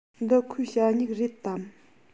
འདི ཁོའི ཞ སྨྱུག རེད དམ